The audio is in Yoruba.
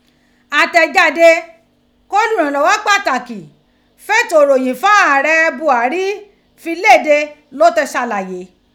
Atẹjade ki oluranlọghọ pataki feto iroyin faarẹ Buhari fi lede lo ti salaye.